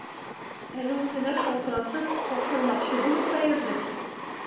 Әле үзенә шалтыратып, тапшырмакчы булып та йөрдем.